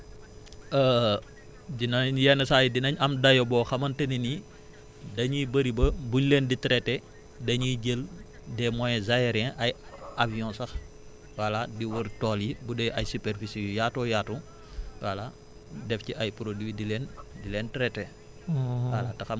mais nag dinañ yenn saa yi dinañ am dayoo boo xamante ni ni dañuy bëri ba buñ leen di traiter dañuy jël des moyens aeriens ay avions sax voilà di wër tool yi bu dee ay superficies yuyaatoo yaatu voilà def ci ay produits di leen di leen traiter